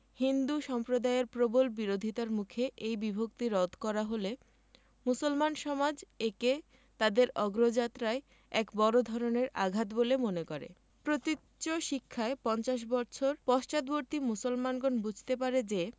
হিন্দু সম্প্রদায়ের প্রবল বিরোধিতার মুখে এই বিভক্তি রদ করা হলে মুসলমান সমাজ একে তাদের অগ্রযাত্রায় এক বড় ধরনের আঘাত বলে মনে করে প্রতীচ্য শিক্ষায় পঞ্চাশ বছর পশ্চাদ্বর্তী মুসলমানগণ বুঝতে পারে যে